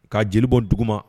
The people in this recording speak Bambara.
Ka jeli bɔ dugu ma.